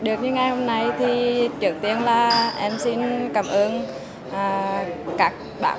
được như ngày hôm nay thì trước tiên là em xin cảm ơn à các bác